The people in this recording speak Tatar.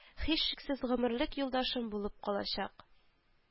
Һичшиксез, гомерлек юлдашым булып калачак